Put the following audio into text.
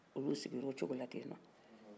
olu siginr'o coko la ten